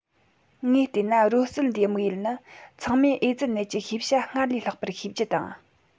ངས བལྟས ན རོལ རྩེད འདིའི དམིགས ཡུལ ནི ཚང མས ཨེ ཙི ནད ཀྱི ཤེས བྱ སྔར ལས ལྷག པར ཤེས རྒྱུ དང